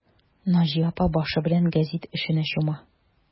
Наҗия апа башы белән гәзит эшенә чума.